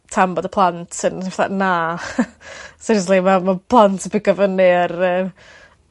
Tan bod y plant yn fatha... Na seriously ma' ma' plant yn pigo fyny ar yym